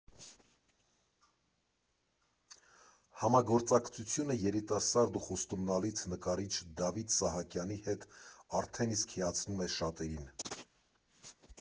Համագործակցությունը երիտասարդ ու խոստումնալից նկարիչ Դավիթ Սահակյանի հետ արդեն իսկ հիացնում է շատերին։